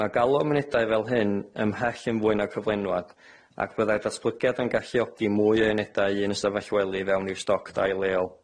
Ma' galw am unedau fel hyn ymhell yn fwy na'r cyflenwad ac byddai'r datblygiad yn galluogi mwy o unedau i un ystafell wely fewn i'r stoc dai leol.